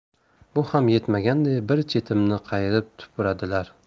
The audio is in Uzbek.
bu ham yetmaganday bir chetimni qayirib tupuradilar